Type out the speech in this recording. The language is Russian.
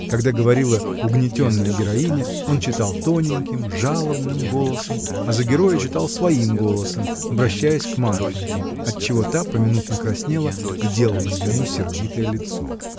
Когда говорила угнетенная героиня, он читал тоненьким, жалобным голосом, а за героя читал своим голосом, обращаясь к Марфиньке, отчего та поминутно краснела и делала ему сердитое лицо.